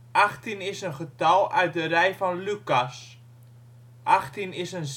Achttien is een getal uit de rij van Lucas. een zevenhoeksgetal